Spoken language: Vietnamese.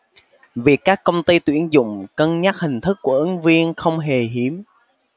việc các công ty tuyển dụng cân nhắc hình thức của ứng viên không hề hiếm